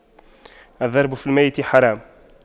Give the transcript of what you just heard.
الضرب في الميت حرام